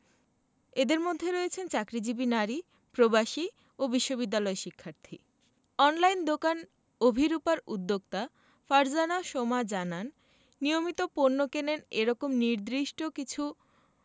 এঁদের মধ্যে রয়েছেন চাকরিজীবী নারী প্রবাসী ও বিশ্ববিদ্যালয় শিক্ষার্থী অনলাইন দোকান অভিরুপার উদ্যোক্তা ফারজানা সোমা জানান নিয়মিত পণ্য কেনেন এ রকম নির্দিষ্ট কিছু